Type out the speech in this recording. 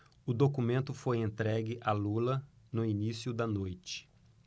o documento foi entregue a lula no início da noite